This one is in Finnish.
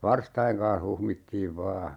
varstojen kanssa huhmittiin vain